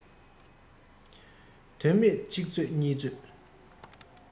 དོན མེད གཅིག རྩོད གཉིས རྩོད